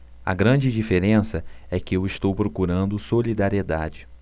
a grande diferença é que eu estou procurando solidariedade